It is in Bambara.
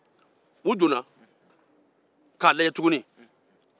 u donna k'a lajɛ tuguni